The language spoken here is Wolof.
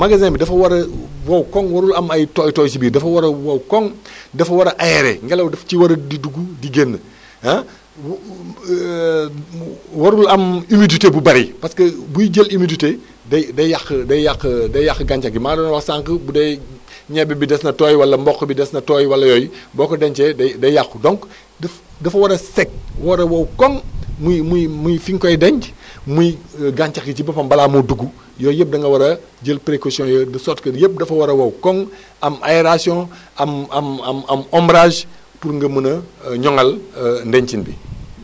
magasin bi dafa war a wow koŋŋ warul am ay tooy-tooy si biir dafa war a wow koŋŋ dafa war a aéré ngealoaw daf ci war a di dugg di génn ah mu warul am humidité bu bëri parce que buy jël humidité day day yàq day yàq day yàq gàncax gi maa ngi doon wax sànq bu dee ñebe bi des na tooy wala mboq bi des na tooy wala yooyu boo ko dencee day day yàqu donc daf dafa war a sec war a wow koŋŋ muy muy muy fi nga koy denc muy gàncax gi ci boppam balaa moo dugg yooyu yëpp da nga war a jël précaution yooyu yëpp de sorte que yëpp dafa war a wow koŋŋ am aération am am am ombrage pour nga mën a ñoŋal ndencin bi